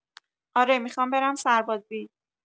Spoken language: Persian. آره میخوام برم سربازی